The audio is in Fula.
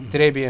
trés, bien